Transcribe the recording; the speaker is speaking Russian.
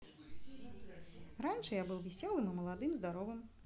раньше я был веселым молодым здоровым